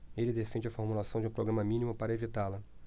ele defende a formulação de um programa mínimo para evitá-la